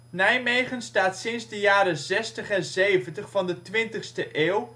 Nijmegen staat sinds de jaren zestig en zeventig van de twintigste eeuw